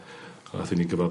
a nathon ni gyfal...